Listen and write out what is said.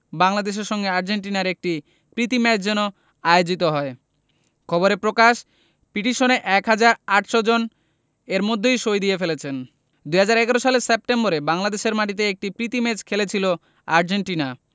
বাংলাদেশের সঙ্গে আর্জেন্টিনার একটি প্রীতি ম্যাচ যেন আয়োজিত হয় খবরে প্রকাশ পিটিশনে ১ হাজার ৮০০ জন এরই মধ্যে সই দিয়ে ফেলেছেন ২০১১ সালের সেপ্টেম্বরে বাংলাদেশের মাটিতে একটি প্রীতি ম্যাচ খেলেছিল আর্জেন্টিনা